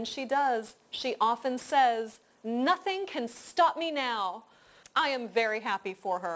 shi đớt shi óp phừn sết nót thinh ken s tóp mi nao ai am ve ri háp bi pho hơ